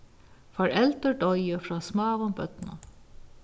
foreldur doyðu frá smáum børnum